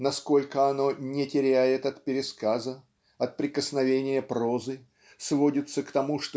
насколько оно не теряет от пересказа от прикосновения прозы сводится к тому